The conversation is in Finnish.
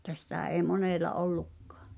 että sitä ei monella ollutkaan